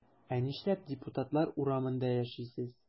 Ә нишләп депутатлар урамында яшисез?